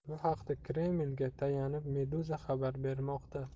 bu haqda kremlga tayanib meduza xabar bermoqda